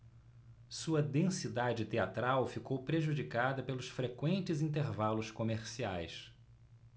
sua densidade teatral ficou prejudicada pelos frequentes intervalos comerciais